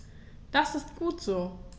Das ist gut so.